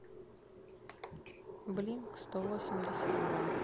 blink сто восемьдесят два